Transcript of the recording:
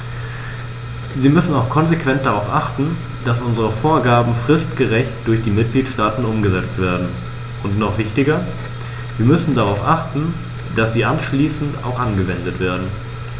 Wir müssen auch konsequent darauf achten, dass unsere Vorgaben fristgerecht durch die Mitgliedstaaten umgesetzt werden, und noch wichtiger, wir müssen darauf achten, dass sie anschließend auch angewendet werden.